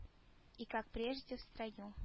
И как прежде в строю